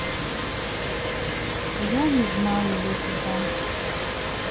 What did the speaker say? я не знаю леди баг